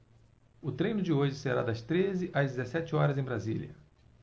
o treino de hoje será das treze às dezessete horas em brasília